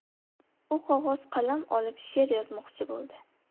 u qog'oz qalam olib sher yozmoqchi bo'ldi